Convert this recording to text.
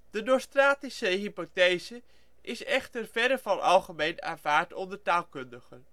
De nostratische hypothese is echter verre van algemeen aanvaard onder taalkundigen